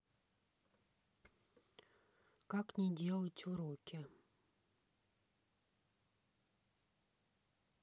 как не делать уроки